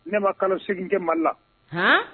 Ne ma kalo seginkɛ mali la